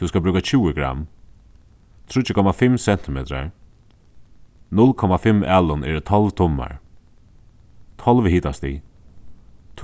tú skalt brúka tjúgu gramm tríggir komma fimm sentimetrar null komma fimm alin eru tólv tummar tólv hitastig